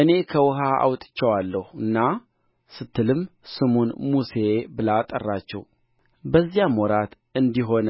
እኔ ከውኃ አውጥቼዋለሁና ስትልም ስሙን ሙሴ ብላ ጠራችው በዚያም ወራት እንዲህ ሆነ